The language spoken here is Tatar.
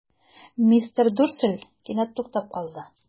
Мистер Дурсль кинәт туктап калды.